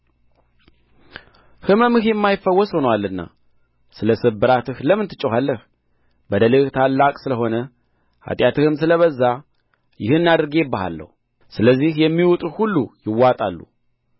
ሕመምህ የማይፈወስ ሆኖአልና ስለ ስብራትህ ለምን ትጮኻለህ በደልህ ታላቅ ስለሆነ ኃጢአትህም ስለ በዛ ይህን አድርጌብሃለሁ ስለዚህ የሚውጡህ ሁሉ ይዋጣሉ